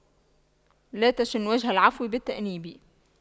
لا تشن وجه العفو بالتأنيب